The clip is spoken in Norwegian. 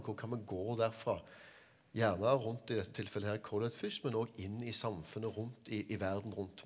hvor kan vi gå derfra gjerne rundt i dette tilfellet her Collett først men òg inn i samfunnet rundt i i verden rundt.